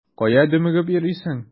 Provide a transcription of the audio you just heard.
Кая дөмегеп йөрисең?